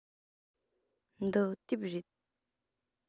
འདི དེབ རེད